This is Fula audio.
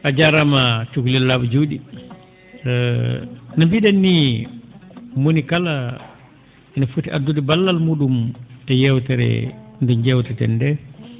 a jaaraama cuklel laa?a juu?e no mbi?en nii mo woni kala no foti addude ballal muu?um e yeewtere nde njeewteten ndee